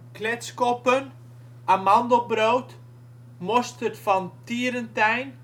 kletskoppen, amandelbrood, mosterd van Tierenteyn